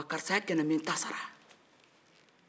karisa y' a ke n n be n ta sara